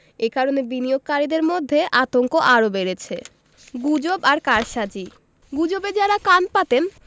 এ কারণে বিনিয়োগকারীদের মধ্যে আতঙ্ক আরও বেড়েছে গুজব আর কারসাজি গুজবে যাঁরা কান পাতেন